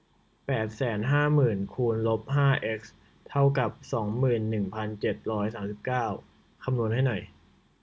แปดแสนห้าหมื่นคูณลบห้าเอ็กซ์เท่ากับสองหมื่นหนึ่งพันเจ็ดร้อยสามสิบเก้าคำนวณให้หน่อย